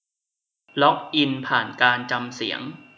ล็อกอินผ่านการจำเสียง